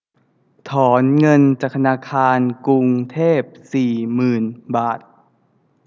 ถอนเงินจากธนาคารกรุงเทพสี่หมื่นบาท